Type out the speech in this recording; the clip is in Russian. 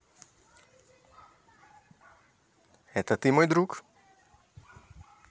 это ты мой друг